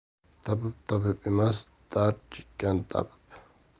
tabib tabib emas dard chekkan tabib